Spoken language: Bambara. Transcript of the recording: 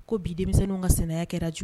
Ko bi denmisɛnninw ka sɛnɛ kɛra jugu